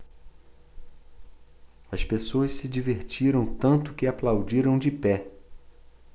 as pessoas se divertiram tanto que aplaudiram de pé